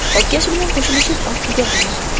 obkashi bilan qo'shilishib orqaga burildi